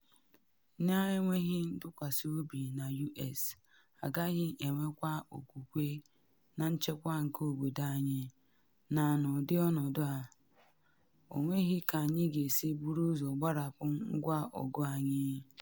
“N’enweghị ntụkwasị obi na U.S, agaghị enwekwa okwukwe na nchekwa nke obodo anyị, na n’ụdị ọnọdụ a, ọ nweghị ka anyị ga-esi buru ụzọ gbarapụ ngwa ọgụ anyị.”